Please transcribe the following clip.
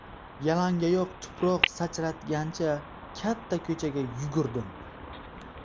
yalangoyoq tuproq sachratgancha katta ko'chaga yugurdim